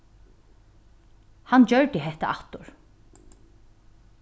hann gjørdi hetta aftur